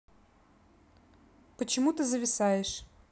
почему ты зависаешь